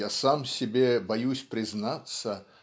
Я сам себе боюсь признаться